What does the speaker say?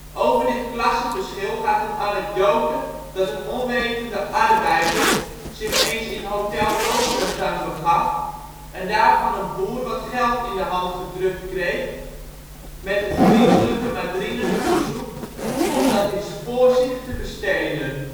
Over dit klasseverschil gaat een anekdote dat een onwetende arbeider zich eens in hotel Vogelenzang begaf en daar van een boer wat geld in de hand gedrukt kreeg met het vriendelijke maar dringende verzoek om dat in Spoorzicht te besteden